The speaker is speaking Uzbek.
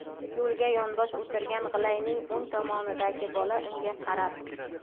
yo'lga yonbosh o'tirgan g'ilayning o'ng tomonidagi bola unga qarab